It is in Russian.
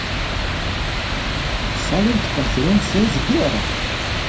салют конференция сбера